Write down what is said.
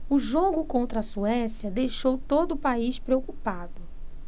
o jogo contra a suécia deixou todo o país preocupado